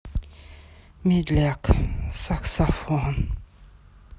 медляк саксофон